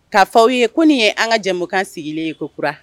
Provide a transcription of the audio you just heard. K'a fɔw ye ko nin ye an ka jɛkan sigilen ye kokura